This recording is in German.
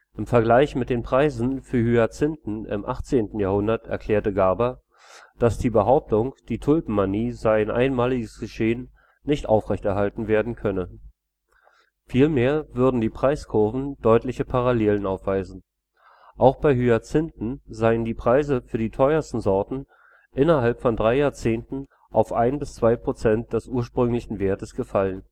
Im Vergleich mit den Preisen für Hyazinthen im 18. Jahrhundert erklärt Garber, dass die Behauptung, die Tulpenmanie sei ein einmaliges Geschehen, nicht aufrechterhalten werden könne. Vielmehr würden die Preiskurven deutliche Parallelen aufweisen. Auch bei Hyazinthen seien die Preise für die teuersten Sorten innerhalb von drei Jahrzehnten auf ein bis zwei Prozent des ursprünglichen Wertes gefallen